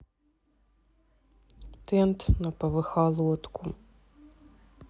тент на пвх лодку